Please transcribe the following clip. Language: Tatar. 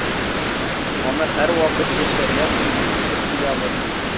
Аны һәрвакыт яшьләргә үрнәк итеп куябыз.